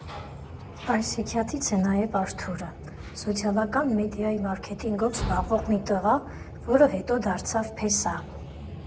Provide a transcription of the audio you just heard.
Այս հեքիաթից է նաև Արթուրը՝ սոցիալական մեդիայի մարքեթինգով զբաղվող մի տղա, որը հետո դարձավ փեսա։